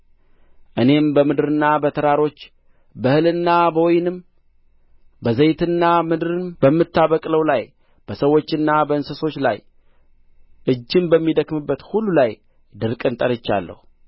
እኔም በምድርና በተራሮች በእህልና በወይንም በዘይትና ምድርም በምታበቅለው ላይ በሰዎችና በእንስሶችም ላይ እጅም በሚደክምበት ሁሉ ላይ ድርቅን ጠርቻለሁ